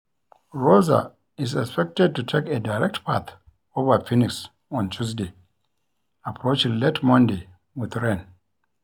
Rosa is expected to take a direct path over Phoenix on Tuesday, approaching late Monday with rain.